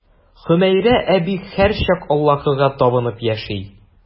Хөмәйрә әби һәрчак Аллаһыга табынып яши.